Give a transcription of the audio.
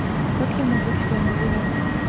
как я могу тебя называть